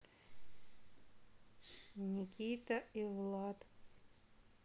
никита и влад